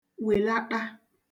wèlaṭa